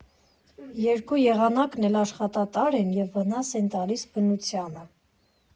Երկու եղանակն էլ աշխատատար են և վնաս են տալիս բնությանը։